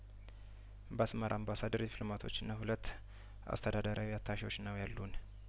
በአስመራ አምባሳደሩ ዲፕሎማቶችና ሁለት አስተዳደራዊ አታሺዎች ነው ያሉን